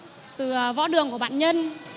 từ võ đường của bạn nhân